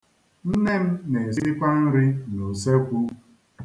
Nne m na-esikwa nri n'usekwu.